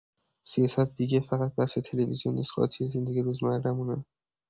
سیاست دیگه فقط بحث تلویزیون نیست، قاطی زندگی روزمره‌مونه.